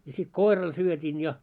ja sitten koiralle syötin ja